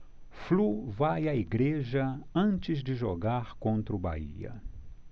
flu vai à igreja antes de jogar contra o bahia